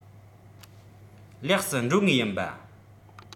ལེགས སུ འགྲོ ངེས ཡིན པ